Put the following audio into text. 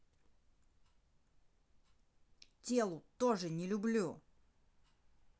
телу тоже не люблю